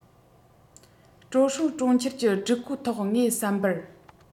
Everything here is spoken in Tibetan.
དྲོད སྲུང གྲོང ཁྱེར གྱི སྒྲིག བཀོད ཐོག ངའི བསམ པར